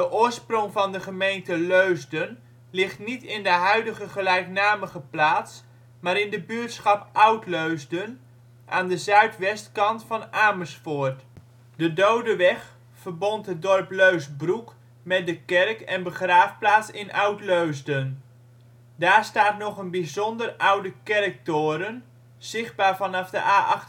oorsprong van de gemeente Leusden ligt niet in de huidige gelijknamige plaats, maar in de buurtschap Oud-Leusden aan de zuidwestkant van Amersfoort. De Dodeweg verbond het dorp Leusbroek met de kerk en begraafplaats in Oud-Leusden. Daar staat nog een bijzonder oude kerktoren (zichtbaar vanaf de A28